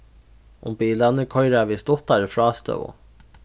um bilarnir koyra við stuttari frástøðu